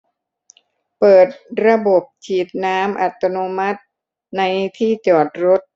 เปิดระบบฉีดน้ำอัตโนมัติในที่จอดรถ